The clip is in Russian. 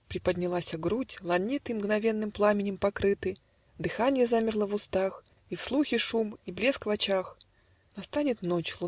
Приподнялася грудь, ланиты Мгновенным пламенем покрыты, Дыханье замерло в устах, И в слухе шум, и блеск в очах. Настанет ночь